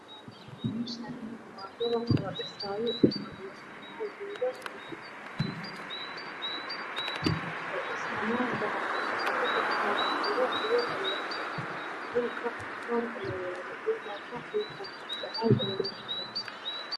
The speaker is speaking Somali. Waa dabaq ladhisaayo waxaa jooga niman oo dhisaayo waxaa ka taagtaagan biro iyo alwaax dhulka matoor ayaa yaalo iyo mooto faykoon ah. Dhulkana waa bacaad.